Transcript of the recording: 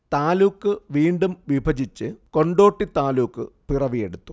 താലൂക്ക് വീണ്ടും വിഭജിച്ച് കൊണ്ടോട്ടി താലൂക്ക് പിറവിയെടുത്തു